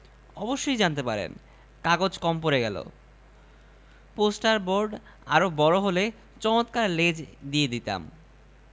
কুশীবের বিশাল ছবি সিদ্দিক সাহেবের নির্বাচনী অফিসের সামনে টানিয়ে দেয়া হল